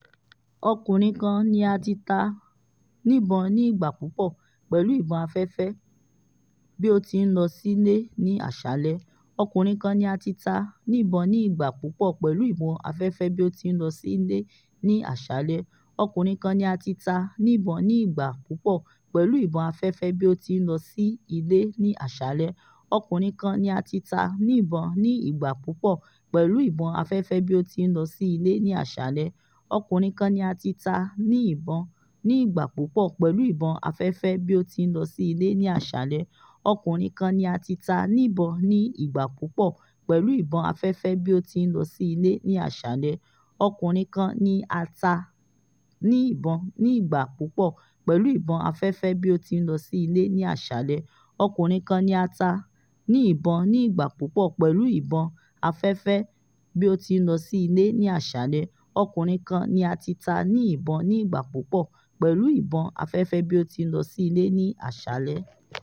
Ọkunrin kan ni a ti ta nibọn ni igba pupọ pẹlu ibọn afẹfẹ bi o ti nlọ si ile ni aṣalẹ.